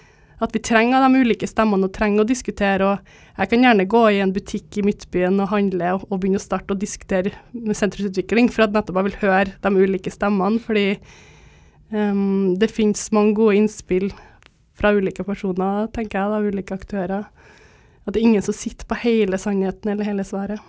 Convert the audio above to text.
at vi trenger alle dem ulike stemmene og trenger å diskutere og jeg kan gjerne gå i en butikk i Midtbyen og handle og begynne å starte og diskutere sentrumsutvikling for at nettopp jeg vil høre dem ulike stemmene fordi det finnes mange gode innspill fra ulike personer tenker jeg da ulike aktører at det er ingen som sitter på hele sannheten eller hele svaret.